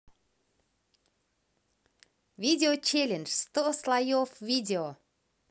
видео челлендж сто слоев видео